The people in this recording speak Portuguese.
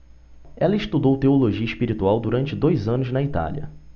ela estudou teologia espiritual durante dois anos na itália